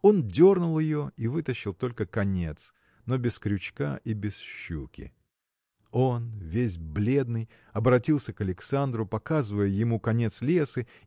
Он дернул ее и вытащил только конец, но без крючка и без щуки. Он весь бледный оборотился к Александру показывая ему конец лесы